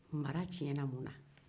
mara tiɲɛna muna